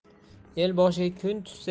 el boshiga kun tushsa